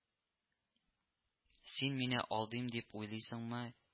Син мине алдыйм дип уйлыйсыңмы